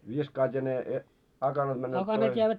viskaat ja ne akanat menevät pois